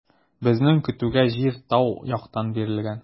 Безнең көтүгә җир тау яктан бирелгән.